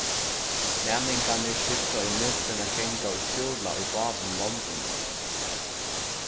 næmingarnir skifta ímillum at ganga í skúla í báðum londunum